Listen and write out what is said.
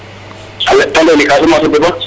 Ta layel eee Casamance a deɓa ,